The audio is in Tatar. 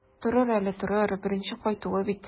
Торыр әле, торыр, беренче кайтуы бит.